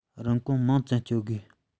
རིན གོང མང ཙམ སྤྲོད དགོས